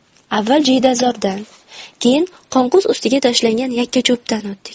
avval jiydazordan keyin qonqus ustiga tashlangan yakkacho'pdan o'tdik